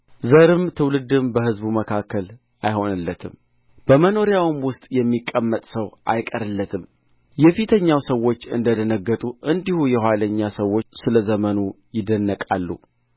ዘርም ትውልድም በሕዝቡ መካከል አይሆንለትም በመኖሪያውም ውስጥ የሚቀመጥ ሰው አይቀርለትም የፊተኞች ሰዎች እንደ ደነገጡ እንዲሁ የኋለኞች ሰዎች ስለ ዘመኑ ይደነቃሉ